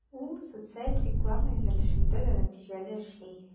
Ул социаль реклама юнәлешендә дә нәтиҗәле эшли.